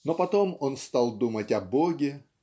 но потом он стал думать о Боге